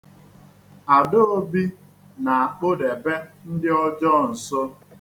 Adaobi na-akpụdebe ndị ọjọọ nso.